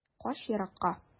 Кач еракка.